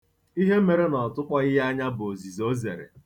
Ihe mere na ọ tụkpọghị ya anya bụ òzìzè o zere.